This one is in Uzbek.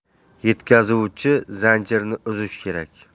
yetkazuvchi zanjirini uzish kerak